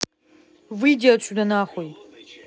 выйди отсюда нахуй